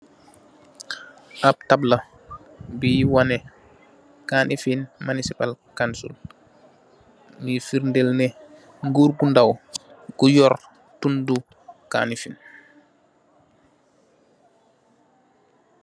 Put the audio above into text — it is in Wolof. Am tabla bui waneh "Kanifing Municipal Council " bii ferdël neh nguur gu ndaw gu your tundu Kanifing.